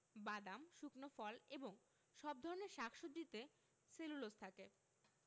বাদাম শুকনো ফল এবং সব ধরনের শাক সবজিতে সেলুলোজ থাকে